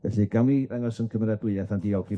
Felly gawn ni ddangos ein cymeradwyath a'n diolch i...